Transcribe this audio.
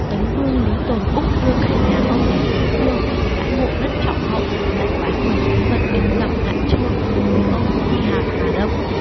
tấn vương lý tồn úc đưa cả nhà ông đến tấn dương đãi ngộ rất trọng hậu lại phái người bí mật đến gặp ngạn chương dụ ông quy hàng hà đông